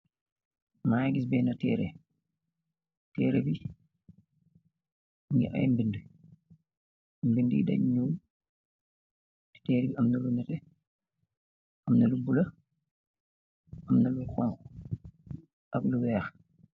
magis benn teere teere bi mingi am ay mbindi mbindi yi den nyûl teer bi amna lu nate amna lu bula amna lu xônk ak lu weex